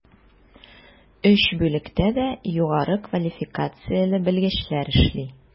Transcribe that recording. Өч бүлектә дә югары квалификацияле белгечләр эшли.